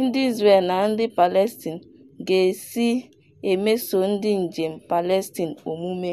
ndị Israel na ndị Palestine ga-esi emeso ndị njem Palestine omume.